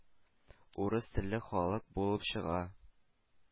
«урыс телле халык» булып чыга.